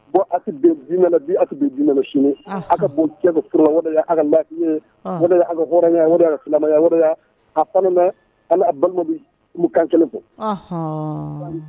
Bon a te don dina bi a te don dina sini a ka bo cɛ kuna o de ya ka ɔrɔnya, o de y a silamɛya, a fana a na a ni a balima bɛlen don kan kelen na